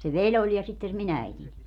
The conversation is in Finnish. se veli oli ja sitten se minun äitini